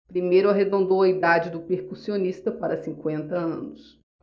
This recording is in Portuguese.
primeiro arredondou a idade do percussionista para cinquenta anos